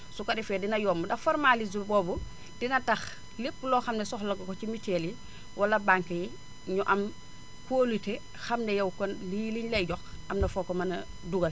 su ko defee dina yomb ndax formalisé boobu dina tax lépp loo xam ne soxla nga ko ci mutuel yi wala banque yi ñu am kóolute xam ne yow kon lii li mutuelle :frau lay jox am na foo ko mën a dugal